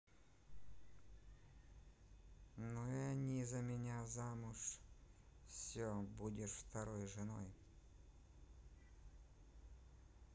ну и они за меня замуж все будешь второй женой